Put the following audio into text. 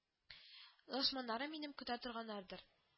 Лашманнарым минем көтә торганнардыр